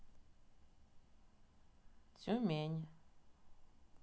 тюмень